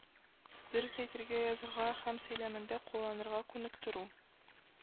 Дөрес əйтергə, язарга һəм сөйлəмдə кулланырга күнектерү